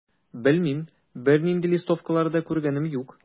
Белмим, бернинди листовкалар да күргәнем юк.